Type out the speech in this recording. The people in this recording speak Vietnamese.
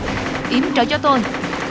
yểm trợ cho tôi